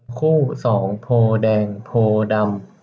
คู่สองโพธิ์แดงโพธิ์ดำ